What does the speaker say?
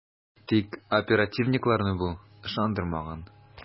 Тик оперативникларны бу ышандырмаган ..